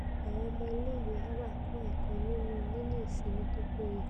Àwọn ọmọ ilé ìwé Havard kọ ẹ̀kọ́ nínú níní ìsinmi tó peye